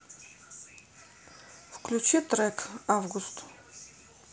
включи трек август